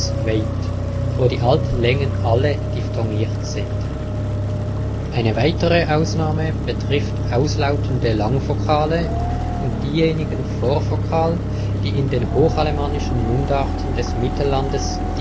wejt), wo die alten Längen alle diphthongiert sind. Eine weitere Ausnahme betrifft auslautende Langvokale und diejenigen vor Vokal, die in den hochalemannischen Mundarten des Mittellandes